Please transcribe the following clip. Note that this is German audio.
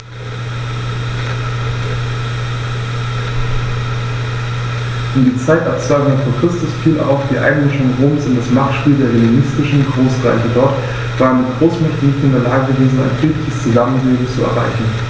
In die Zeit ab 200 v. Chr. fiel auch die Einmischung Roms in das Machtspiel der hellenistischen Großreiche: Dort waren die Großmächte nicht in der Lage gewesen, ein friedliches Zusammenleben zu erreichen.